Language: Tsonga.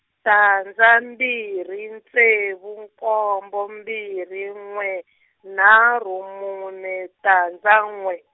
tandza mbirhi ntsevu nkombo mbirhi n'we, nharhu mune tandza n'we.